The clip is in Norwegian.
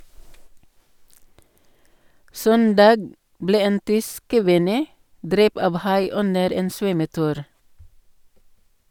Søndag ble en tysk kvinne drept av hai under en svømmetur.